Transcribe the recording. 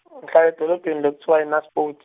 ngihlala edolobheni lokutsiwa eNaspoti.